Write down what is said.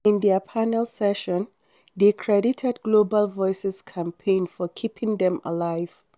In their panel session, they credited Global Voices’ campaign for keeping them alive.